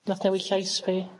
Nath newid llais fi.